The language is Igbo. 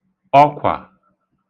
ọkwà